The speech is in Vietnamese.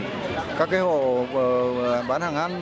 các hộ bán hàng ăn